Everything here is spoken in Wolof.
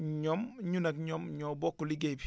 ñoom ñun ak ñoom ñoo bokk liggéey bi